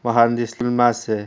muhandislik tuzilmasi